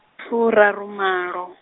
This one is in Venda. furarumalo.